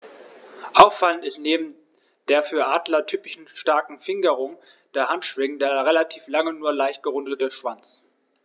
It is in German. Auffallend ist neben der für Adler typischen starken Fingerung der Handschwingen der relativ lange, nur leicht gerundete Schwanz.